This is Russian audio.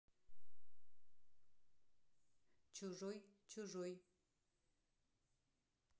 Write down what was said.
чужой чужой